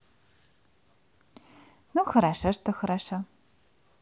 ну хорошо что хорошо